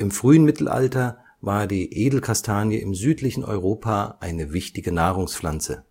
frühen Mittelalter war die Edelkastanie im südlichen Europa eine wichtige Nahrungspflanze